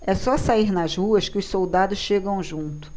é só sair nas ruas que os soldados chegam junto